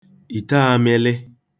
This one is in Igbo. ìte āmị̄lị̄